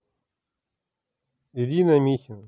ирина михина